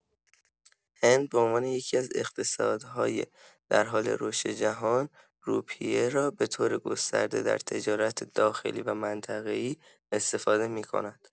هند به‌عنوان یکی‌از اقتصادهای در حال رشد جهان، روپیه را به‌طور گسترده در تجارت داخلی و منطقه‌ای استفاده می‌کند.